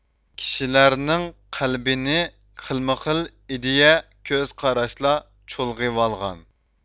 كىشلەرنىڭ قەلبىنى خىلمۇخىل ئىدىيە كۆزقاراشلار چۇلغىۋالغان